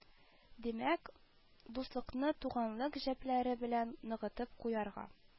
Димәк, дуслыкны туганлык җепләре белән ныгытып куярга